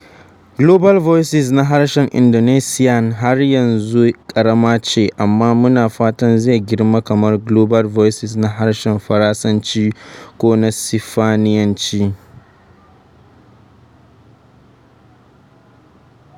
Global Voices na harshen Indonesian har yanzu ƙarama ce, amma muna fatan zai girma kamar Global Voices na harshen Faransanci ko na Sifaniyanci.